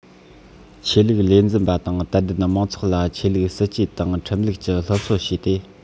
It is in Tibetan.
ཆོས ལུགས ལས འཛིན པ དང དད ལྡན མང ཚོགས ལ ཆོས ལུགས སྲིད ཇུས དང ཁྲིམས ལུགས ཀྱི སློབ གསོ བྱས ཏེ